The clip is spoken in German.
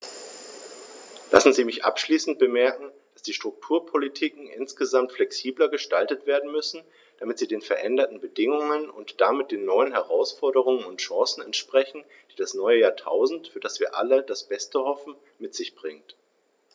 Lassen Sie mich abschließend anmerken, dass die Strukturpolitiken insgesamt flexibler gestaltet werden müssen, damit sie den veränderten Bedingungen und damit den neuen Herausforderungen und Chancen entsprechen, die das neue Jahrtausend, für das wir alle das Beste hoffen, mit sich bringt.